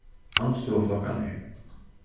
andstøðuflokkarnir